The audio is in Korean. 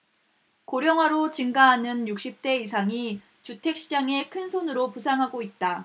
고령화로 증가하는 육십 대 이상이 주택 시장의 큰손으로 부상하고 있다